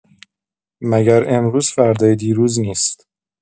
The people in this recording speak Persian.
مگر امروز فردای دیروز نیست؟